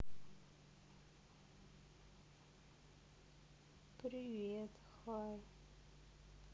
привет хай